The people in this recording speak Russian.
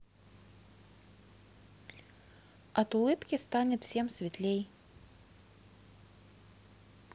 от улыбки станет всем светлей